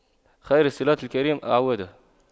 خير صِلاتِ الكريم أَعْوَدُها